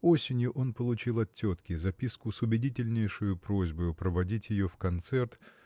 Осенью он получил от тетки записку с убедительнейшею просьбою проводить ее в концерт